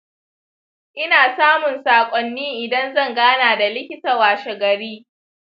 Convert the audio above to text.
ina samun sakonnni idan zan gana da likita washe gari.